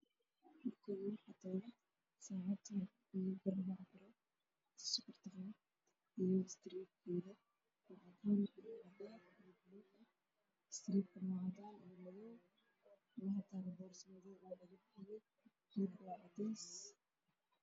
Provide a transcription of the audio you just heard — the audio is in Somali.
Waa miisaanka lagu cabiro dahabka waxaa ag yaalla caadad caddaan dhulka waa mutuulaal cadaan